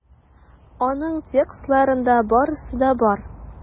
Аның текстларында барысы да бар.